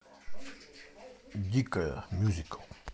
дикая мюзикл